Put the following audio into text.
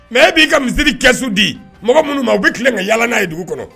Mɛ e b'i ka misiri kɛsu di mɔgɔ minnu ma u bɛ tilen ka yaala' ye dugu kɔnɔ